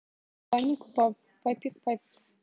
папик папик